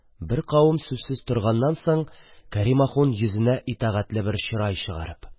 Беркавым сүзсез торганнан соң, Кәрим ахун, йөзенә итәгатьле бер чырай чыгарып: